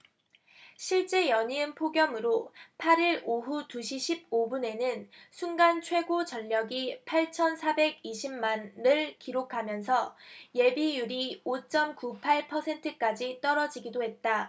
실제 연이은 폭염으로 팔 일 오후 두 시 십 오 분에는 순간 최고전력이 팔천 사백 이십 만 를 기록하면서 예비율이 오 쩜 구 팔 퍼센트까지 떨어지기도 했다